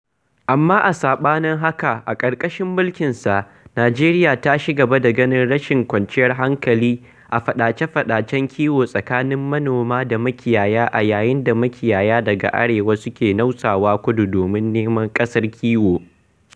Amma a saɓanin haka, a ƙarƙashin mulkinsa, Najeriya ta cigaba da ganin rashin kwanciyar hankali na faɗace-faɗacen kiwo tsakanin manoma da makiyaya a yayin da makiyaya daga arewa suke nausawa kudu domin neman ƙasar kiwo.